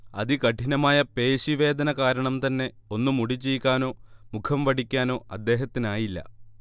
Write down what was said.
അതികഠിനമായ പേശി വേദന കാരണം തന്നെ ഒന്ന് മുടി ചീകാനോ മുഖം വടിക്കാനൊ അദ്ദേഹത്തിനായില്ല